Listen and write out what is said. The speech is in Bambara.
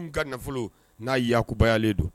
N ka nafolo n'a yakubayalen don.